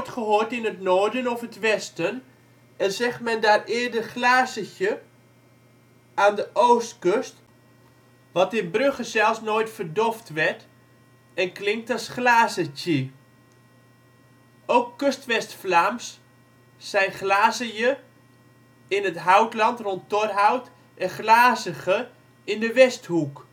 gehoord in het noorden of het westen, en zegt men daar eerder glazetje aan de Oostkust, wat in Brugge zelfs nooit verdofd werd en klinkt als glazetjie. Ook Kustwest-Vlaams zijn glazeje in het Houtland rond Torhout en glazege in de Westhoek